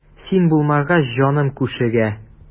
Син булмагач җаным күшегә.